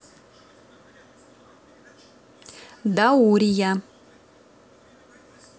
даурия